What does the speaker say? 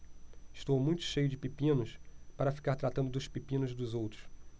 estou muito cheio de pepinos para ficar tratando dos pepinos dos outros